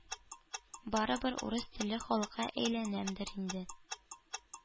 Барыбер «урыс телле халык»ка әйләнәмдер инде.